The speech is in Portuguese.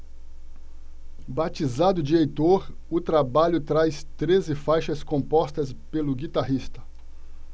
batizado de heitor o trabalho traz treze faixas compostas pelo guitarrista